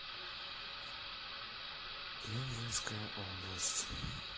пензенская область